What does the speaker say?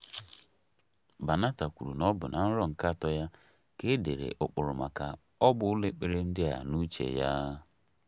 Banatah kwuru na ọ bụ na nrọ nke atọ ya ka e dere ụkpụrụ maka ọgba ụlọ ekpere ndị a n'uche ya.